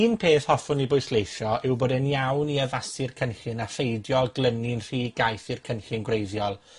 Un peth hoffwn i bwysleisio yw bod e'n iawn i addasu'r cynllun a pheidio â glynu'n rhy gaeth i'r cynllun gwreiddiol.